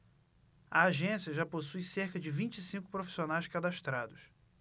a agência já possui cerca de vinte e cinco profissionais cadastrados